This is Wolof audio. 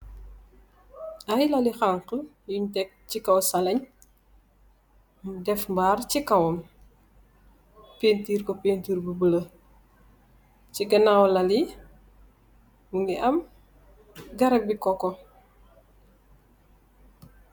Aye lalyi kanka young lal ci kaw sallang, yu deff mbarr si kawam, pentir ko bou boulo ci gannaw wi lalyi mougui am garrap bou koko